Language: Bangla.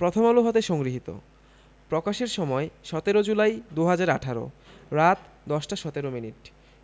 প্রথম আলো হতে সংগৃহীত প্রকাশের সময় ১৭ জুলাই ২০১৮ রাত ১০টা ১৭ মিনিট